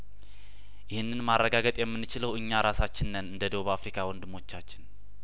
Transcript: ይህንን ማረጋገጥ የምንችለው እኛው ራሳችን ነን እንደ ደቡብ አፍሪካ ወንድሞቻችን